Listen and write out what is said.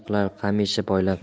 qilar hamisha poylab